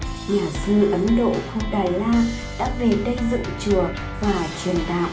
nhà sư ấn độ khâu đà la đã về đây dựng chùa và truyền đạo